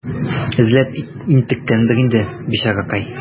Эзләп интеккәндер инде, бичаракай.